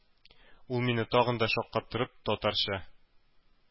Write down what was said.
Ул, мине тагын да шаккатырып, татарча: